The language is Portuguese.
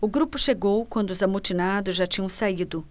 o grupo chegou quando os amotinados já tinham saído